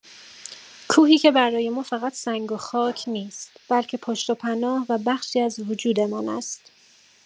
کوهی که برای ما فقط سنگ و خاک نیست، بلکه پشت و پناه و بخشی از وجودمان است.